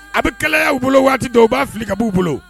A bɛ kɛlɛyaw bolo waati dɔw u b'a fili ka b'u bolo